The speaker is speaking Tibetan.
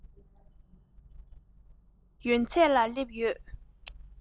ཡོན ཚད ལ སླེབས ཡོད